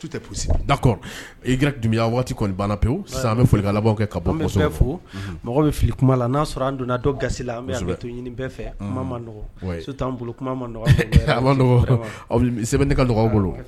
Da i g dunya waati kɔni bala pewu san bɛ foli kɛ ka mɔgɔ bɛ fili kuma la n'a sɔrɔ an donna ga an to bɛɛ fɛ bolo sɛbɛn ne ka dɔgɔ bolo